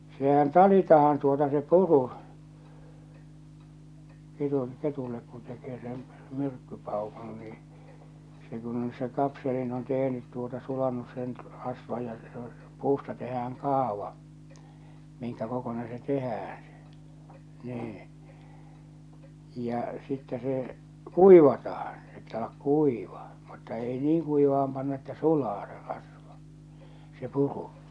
sehän talitaan tuota se puru ketun ketulle kun tekee sen myrkkypaukun niin se kun on se kapselin on tehnyt tuota sulanut sen rasva ja se on puusta tehdään kaava minkä kokoinen se tehdään se niin ja sitten se kuivataan se pitää olla kuiva mutta ei niin kuivaan panna että sulaa se rasva se puru